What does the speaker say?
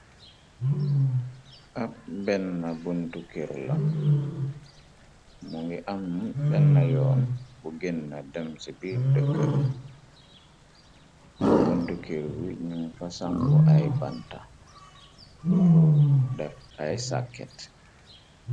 Ab benna buntukir la mu ngi am benna yoon bu génna dem ci biir dëkka bi bëntukir nu fa samp ay banta pu def ay sàkket.